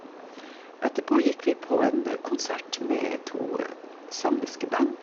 Etterpå gikk vi på en konsert med to samiske band.